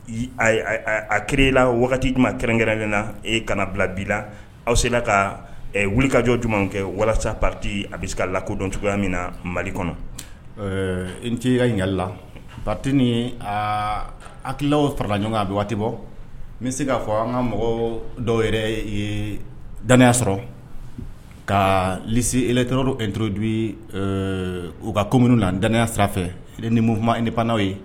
A kelenla waati wagati' kɛrɛnkɛrɛnnen na e kana bila bi la aw sera ka wulikajɔ jumɛnw kɛ walasa pati a bɛ se ka la kodɔn cogoya min na mali kɔnɔ n t' ka yalila bat aa akilaw farala ɲɔgɔn a bɛ waati bɔ n bɛ se k'a fɔ an ka mɔgɔ dɔw yɛrɛ daya sɔrɔ ka si etrro nto di u ka ko minnu na n daaniya sira ni mun i ni pan n'aw ye